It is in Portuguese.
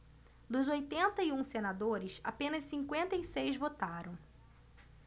dos oitenta e um senadores apenas cinquenta e seis votaram